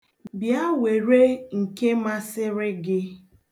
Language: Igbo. Bịa, were nke masịrị gị.